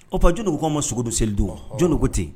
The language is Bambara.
O que jɔnni ko' ma sogo don selielidon jɔn ko ten